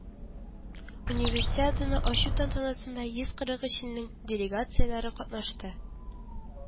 Универсиаданы ачу тантанасында йөз кырык өч илнең делегацияләре катнашты